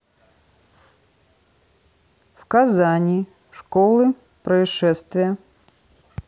в казани школы происшествия